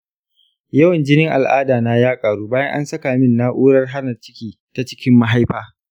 yawan jinin al'ada na ya ƙaru bayan an saka min na’urar hana ciki ta cikin mahaifa.